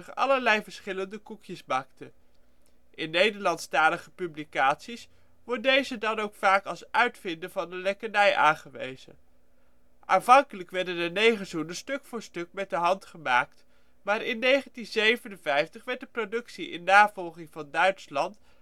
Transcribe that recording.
allerlei verschillende koekjes bakte. In Nederlandstalige publicaties wordt deze dan ook vaak als ' uitvinder ' van de lekkernij aangewezen. Aanvankelijk werden de negerzoenen stuk voor stuk met de hand gemaakt, maar in 1957 werd de productie in navolging van Duitsland